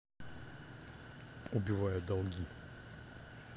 убивая долги